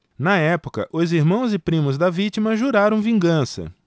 na época os irmãos e primos da vítima juraram vingança